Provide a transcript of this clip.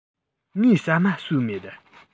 ངས ཟ མ ཟོས མེད